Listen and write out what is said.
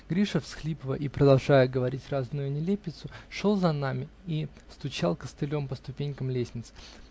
Гриша, всхлипывая и продолжая говорить разную нелепицу, шел за нами и стучал костылем по ступенькам лестницы.